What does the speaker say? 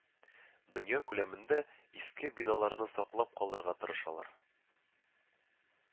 Дөнья күләмендә иске биналарны саклап калырга тырышалар